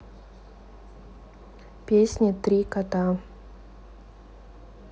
песни три кота